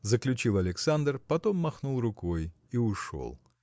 – заключил Александр, потом махнул рукой и ушел.